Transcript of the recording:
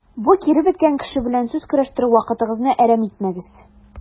Бу киребеткән кеше белән сүз көрәштереп вакытыгызны әрәм итмәгез.